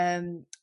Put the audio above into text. yym